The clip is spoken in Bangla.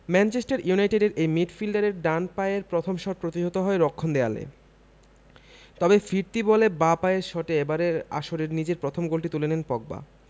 ম্যানচেস্টার ইউনাইটেডের এই মিডফিল্ডারের ডান পায়ের প্রথম শট প্রতিহত হয় রক্ষণ দেয়ালে তবে ফিরতি বলে বাঁ পায়ের শটে এবারের আসরে নিজের প্রথম গোলটি তুলে নেন পগবা